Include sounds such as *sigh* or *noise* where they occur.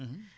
*hesitation* *hesitation*